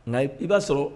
Nka i b'a sɔrɔ